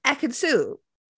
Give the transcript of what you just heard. Ekin-Su?